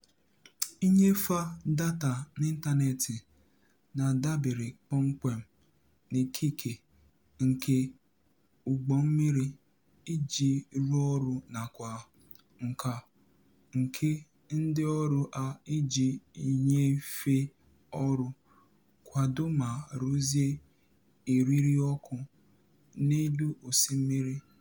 Nnyefe data n'ịntaneetị na-adabere kpọmkwem n'ikike nke ụgbọmmiri iji rụọ ọrụ nakwa nkà nke ndịọrụ ha iji nyefee ọrụ, kwado ma rụzie eririọkụ n'elu osimiri.